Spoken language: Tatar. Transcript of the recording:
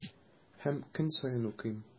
Һәм көн саен укыйм.